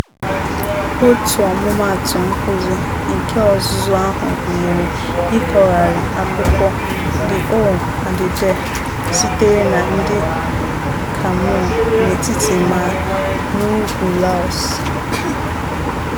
Otu ọmụmatụ nkuzi nke ọzụzụ ahụ gunyere ịkọgharị akụkọ "The Owl and the Deer" sitere na ndị Kmhmu' n'etiti ma n'ugwu Laos.